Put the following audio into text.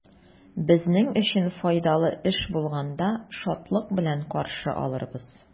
Безнең өчен файдалы эш булганда, шатлык белән каршы алырбыз.